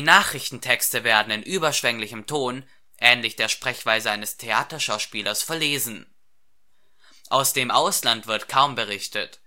Nachrichtentexte werden in überschwänglichem Ton, ähnlich der Sprechweise eines Theaterschauspielers, verlesen. Aus dem Ausland wird kaum berichtet.